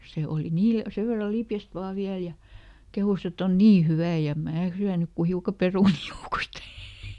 se oli - sen verran lipeäinen vain vielä ja kehui että on niin hyvää ja en minä syönyt kuin hiukan perunoita joukosta